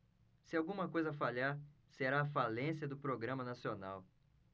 se alguma coisa falhar será a falência do programa nacional